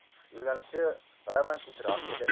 yo'nalishi romantikroq edi